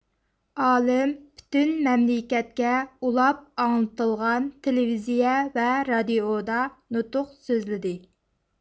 ئالىم پۈتۈن مەملىكەتكە ئۇلاپ ئاڭلىتىلغان تېلېۋىزىيە ۋە رادىئودا نۇتۇق سۆزلىدى